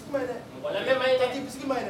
. Mɔgɔ lamɛn maɲi dɛ! maɲi dɛ!